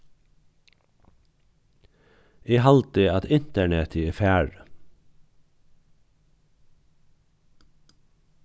eg haldi at internetið er farið